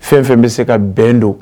Fɛn fɛn bɛ se ka bɛn don